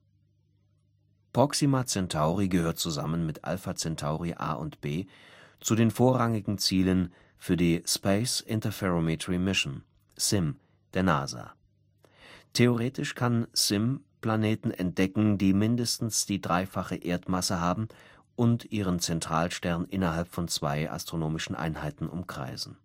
Proxima Centauri gehört zusammen mit Alpha Centauri A und B zu den vorrangigen Zielen für die „ Space Interferometry Mission “(SIM) der NASA. Theoretisch kann SIM Planeten entdecken, die mindestens die dreifache Erdmasse haben und ihren Zentralstern innerhalb von 2 AE umkreisen